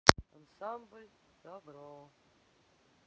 ансамбль добро